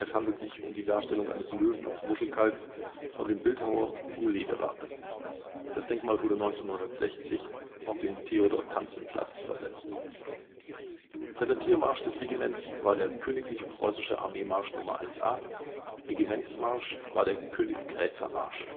handelt sich um die Darstellung eines Löwen aus Muschelkalk von dem Bildhauer Hugo Lederer (1871 - 1940). Das Denkmal wurde 1960 auf den Theodor-Tantzen-Platz versetzt. Präsentiermarsch des Regiments war der Königlich Preußische Armee Marsch No. 1 A, Regimentsmarsch war der Königgrätzer Marsch